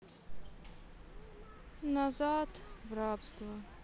назад в рабство